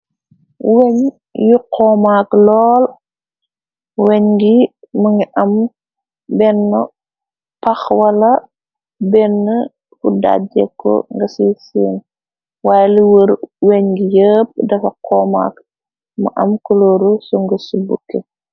Wëñ yu xoomaak lool weñ gi më ngi am benn pax wala benn kuddàj jekko nga ci siin waye li wër weñ gi yepp dafa xoomaak ma am kulooru su ngu ci bukke.